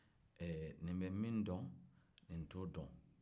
ee nin bɛ min dɔn nin t'o dɔn